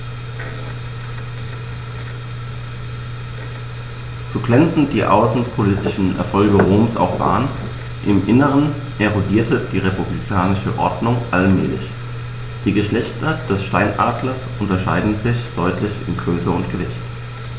So glänzend die außenpolitischen Erfolge Roms auch waren: Im Inneren erodierte die republikanische Ordnung allmählich. Die Geschlechter des Steinadlers unterscheiden sich deutlich in Größe und Gewicht.